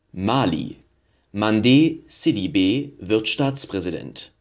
Mali: Mandé Sidibé wird Staatspräsident